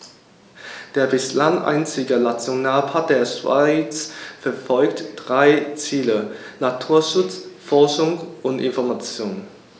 Der bislang einzige Nationalpark der Schweiz verfolgt drei Ziele: Naturschutz, Forschung und Information.